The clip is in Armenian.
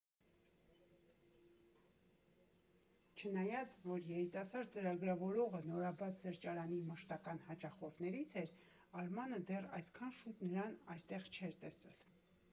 Չնայած, որ երիտասարդ ծրագրավորողը նորաբաց սրճարանի մշտական հաճախորդներից էր, Արմանը դեռ այսքան շուտ նրան այստեղ չէր տեսել։